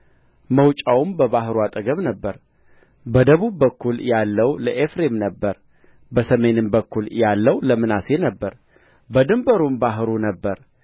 መውጫውም በባሕሩ አጠገብ ነበረ በደቡብ በኩል ያለው ለኤፍሬም ነበረ በሰሜንም በኩል ያለው ለምናሴ ነበረ ድንበሩም ባሕሩ ነበረ